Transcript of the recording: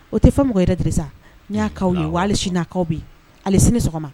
O tɛ fɔ mɔgɔ yɛrɛ desa n' y'akawaw ye wali'akaw bi ali sini sɔgɔma